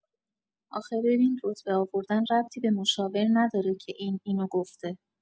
آخه ببین رتبه آوردن ربطی به مشاور نداره که این اینو گفته